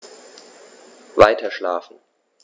Weiterschlafen.